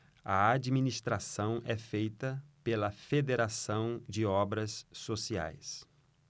a administração é feita pela fos federação de obras sociais